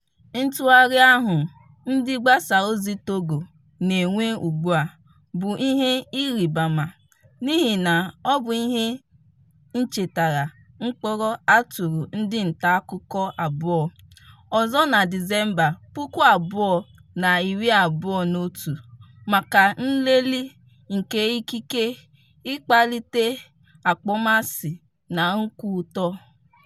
Ntụgharị ahụ ndị mgbasaozi Togo na-enwe ugbua bụ ihe ịrịbaama, n'ihi na ọ bụ ihe nchetara mkpọrọ a tụrụ ndị ntaakụkọ abụọ ọzọ na Disemba 2021 maka nlelị nke ikike, ịkpalite akpọmasị na nkwutọ.